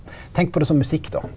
tenk på det som musikk då.